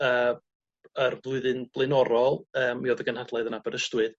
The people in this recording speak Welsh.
yy yr flwyddyn blaenorol yym mi o'dd y gynhadledd yn Aberystwyth.